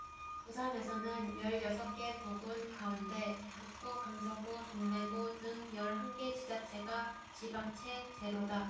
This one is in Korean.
부산에서는 열 여섯 개 구 군 가운데 북구 강서구 동래구 등 열 한 개 지자체가 지방채 제로다